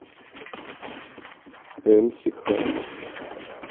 эм си хаммер